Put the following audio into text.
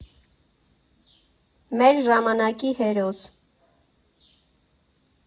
Մեր ժամանակի հերոս։